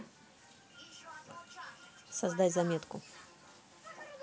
создай заметку